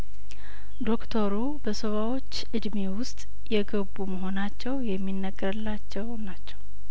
ዶክተሩ በሰባዎች እድሜ ውስጥ የገቡ መሆናቸው የሚነገርላቸው ናቸው